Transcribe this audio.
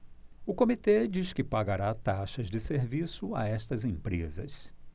o comitê diz que pagará taxas de serviço a estas empresas